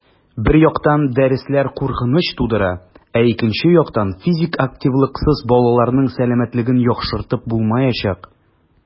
Бер яктан, дәресләр куркыныч тудыра, ә икенче яктан - физик активлыксыз балаларның сәламәтлеген яхшыртып булмаячак.